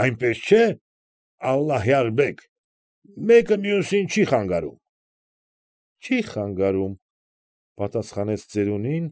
Այնպես չէ՞, Ալլահյար֊բեգ, մեկը մյուսին չի խանգարում։ ֊ Չի խանգարում,֊ պատասխանեց ծերունին